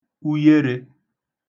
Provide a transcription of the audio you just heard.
uyerē